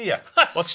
Ie.